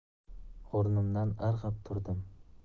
o'rnimdan irg'ib turdim